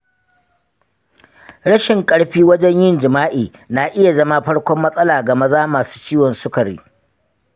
rashin ƙarfi wajen yin jima'i na iya zama farkon matsala ga maza masu ciwon sukari.